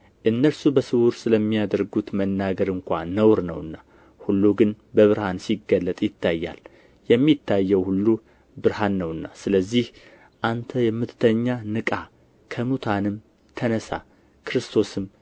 እነርሱ በስውር ስለሚያደርጉት መናገር እንኳ ነውር ነውና ሁሉ ግን በብርሃን ሲገለጥ ይታያል የሚታየው ሁሉ ብርሃን ነውና ስለዚህ አንተ የምትተኛ ንቃ ከሙታንም ተነሣ ክርስቶስም